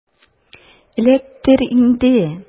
Эләктер инде!